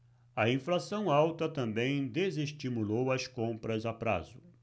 a inflação alta também desestimulou as compras a prazo